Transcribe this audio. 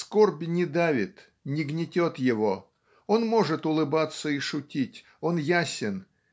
Скорбь не давит, не гнетет его, он может улыбаться и шутить, он ясен